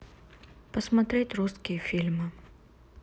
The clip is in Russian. посмотреть русские фильмы